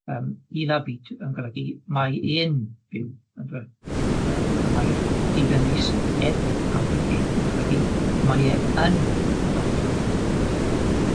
Yym il a vit yn golygu mai e'n fyw yym on'd yw e? Yym a mae Dee Ben Rees et impliqué yn golygu mai e yn ymwneud.